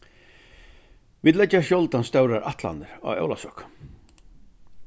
vit leggja sjáldan stórar ætlanir á ólavsøku